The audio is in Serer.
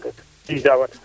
miyo Diawa